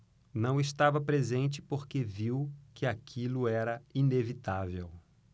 não estava presente porque viu que aquilo era inevitável